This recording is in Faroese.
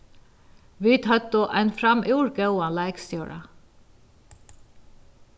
vit høvdu ein framúr góðan leikstjóra